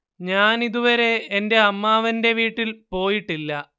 ഞാൻ ഇതുവരെ എന്റെ അമ്മാവന്റെ വീട്ടിൽ പോയിട്ടില്ല